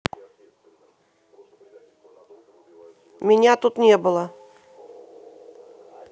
меня тут не было